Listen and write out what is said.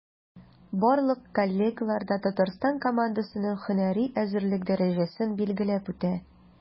Барлык коллегалар да Татарстан командасының һөнәри әзерлек дәрәҗәсен билгеләп үтә.